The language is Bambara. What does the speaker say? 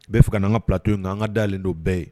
Bɛɛ fɛ ka'an ka bilato yen nka an ka dalen don bɛɛ ye